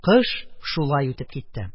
Кыш шулай үтеп китте.